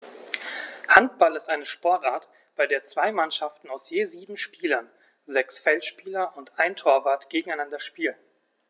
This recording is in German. Handball ist eine Sportart, bei der zwei Mannschaften aus je sieben Spielern (sechs Feldspieler und ein Torwart) gegeneinander spielen.